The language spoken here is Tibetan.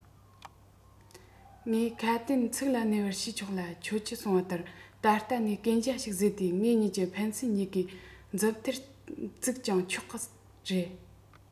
ངས ཁ དན ཚིག ལ གནས པ ཞུས ཆོག ལ ཁྱེད ཀྱིས གསུང པ ལྟར ད ལྟ ནས གན རྒྱ ཞིག བཟོས ཏེ ངེད གཉིས ཕན ཚུན གཉིས ཀའི མཛུབ ཐེལ བཙུགས ཀྱང ཆོག གི རེད